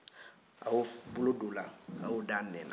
a ye bolo don o la a y'o da a nɛ na